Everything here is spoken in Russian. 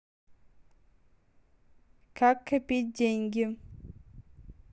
как копить деньги